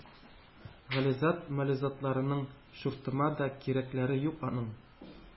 -гализат, мализатларыңның чуртыма да кирәкләре юк аның.